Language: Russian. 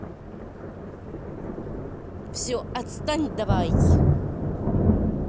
все отстань давай